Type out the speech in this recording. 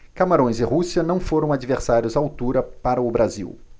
camarões e rússia não foram adversários à altura para o brasil